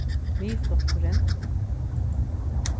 miðflokkurin